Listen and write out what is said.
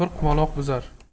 bir qumaloq buzar